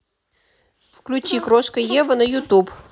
включи крошка ева на ютуб